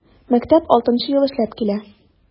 Мәктәп 6 нчы ел эшләп килә.